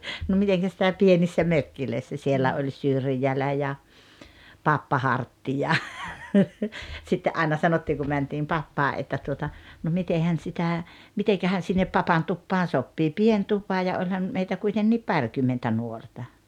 no miten sitä pienissä mökeissä siellä oli Syrjälä ja Pappa Hartti ja sitten aina sanottiin kun mentiin Pappaan että tuota no mitenhän sitä mitenkähän sinne Papan tupaan sopii pieni tupa ja olihan meitä kuitenkin parikymmentä nuorta